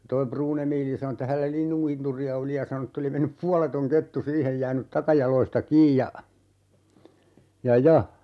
toi Pruun Emiili sanoi että hänellä linnunkinturia oli ja sanoi että oli mennyt puoleton kettu siihen jäänyt takajaloista kiinni ja ja ja